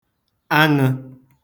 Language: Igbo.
aṅə̣̄